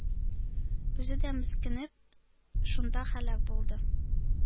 Үзе дә, мескенем, шунда һәлак булды.